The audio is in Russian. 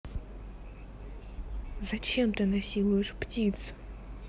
зачем ты насилуешь птиц